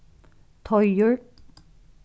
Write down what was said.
teigur